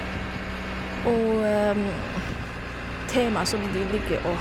Og tema som de liker å...